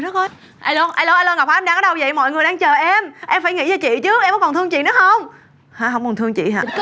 trời đất ơi a lô a lô ngọc hả em đang ở đây dậy mọi người đang chờ em em phải nghĩ cho chị chứ em có còn thương chị nữa không hả không còn thương chị hả